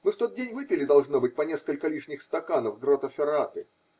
Мы в тот день выпили, должно быть, по несколько лишних стаканов Грота Ферраты.